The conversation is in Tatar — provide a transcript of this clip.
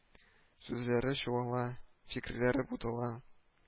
Сүзләре чуала, фикерләре бутала